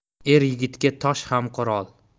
er yigitga tosh ham qurol